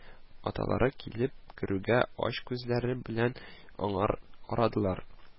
Аталары килеп керүгә ач күзләре белән аңар карадылар